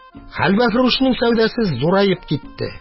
Хәлвәфрүшнең сәүдәсе зураеп китте.